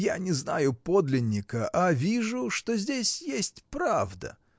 Я не знаю подлинника, а вижу, что здесь есть правда.